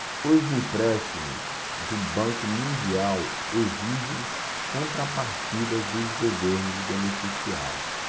os empréstimos do banco mundial exigem contrapartidas dos governos beneficiados